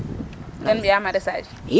Gan mbi'aa maraichage?